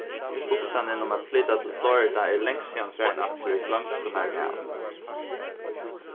hugsanin um at flyta til florida er langt síðan farin aftur í gloymskunnar hav